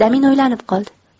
damin o'ylanib qoldi